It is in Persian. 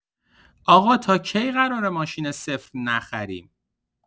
آقا تا کی قراره ماشین صفر نخریم؟